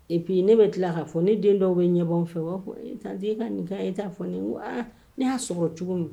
Epi ne bɛ tila k kaa fɔ ne den dɔw bɛ ɲɛbɔw fɛ'a ka nin e t' fɔ ne y'a sɔrɔ cogo min